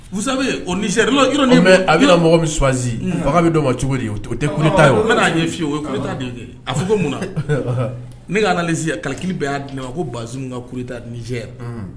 Busa o a bɛna mɔgɔ bɛ suwazbaga bɛ don ma cogo ye o tɛta ye o n bɛna'a ye fiye o yeta a ko mun ne ka kaliki bɛ y'a di ma ko baz kata ni yan